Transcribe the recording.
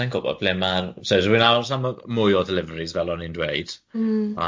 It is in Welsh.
Sai'n gwbod ble ma'r so dwi'n aros am m- mwy o ddelifyris fel o'n i'n dweud mm.